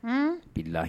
Un, bilahi